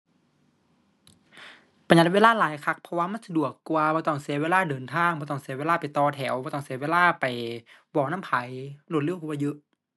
ประหยัดเวลาหลายคัก เพราะว่ามันสะดวกกว่า บ่ต้องเสียเวลาเดินทาง บ่ต้องเสียเวลาไปต่อแถว บ่ต้องเสียเวลาไปเว้านำไผ รวดเร็วกว่าเยอะ